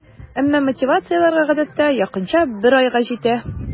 Әмма мотивация аларга гадәттә якынча бер айга җитә.